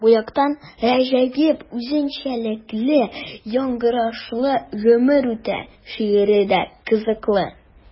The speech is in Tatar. Бу яктан гаҗәеп үзенчәлекле яңгырашлы “Гомер үтә” шигыре дә кызыклы.